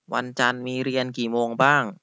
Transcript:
วันจันทร์มีเรียนกี่โมงบ้าง